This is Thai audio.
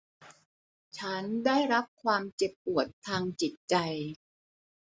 ฉันได้รับความเจ็บปวดทางจิตใจ